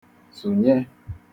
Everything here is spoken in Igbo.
sụ̀nye